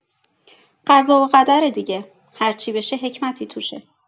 قضا و قدره دیگه، هرچی بشه حکمتی توشه.